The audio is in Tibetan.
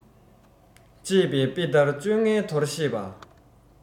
ཅེས པའི དཔེ ལྟར སྤྱོད ངན འདོར ཤེས པ